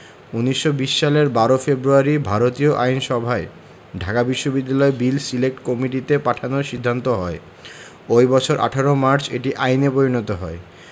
১৯২০ সালের ১২ ফেব্রুয়ারি ভারতীয় আইনসভায় ঢাকা বিশ্ববিদ্যালয় বিল সিলেক্ট কমিটিতে পাঠানোর সিদ্ধান্ত হয় ওই বছর ১৮ মার্চ এটি আইনে পরিণত হয়